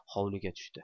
hovliga tushdi